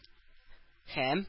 Һәм